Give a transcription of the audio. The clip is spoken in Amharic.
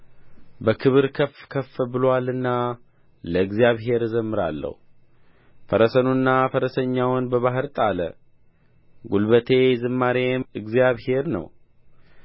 በክብር ከፍ ከፍ ብሎአልና ለእግዚአብሔር እዘምራለሁ ፈረሱንና ፈረሰኛውን በባሕር ጣለ ጕልበቴ ዝማሬዬም እግዚአብሔር ነው